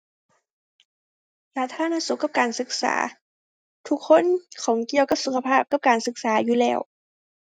สาธารณสุขกับการศึกษา ทุกคนข้องเกี่ยวกับสุขภาพกับการศึกษาอยู่แล้ว